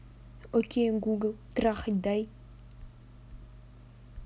окей google трахать дай